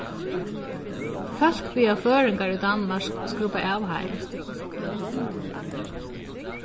fólk biðja føroyingar í danmark skrubba av heim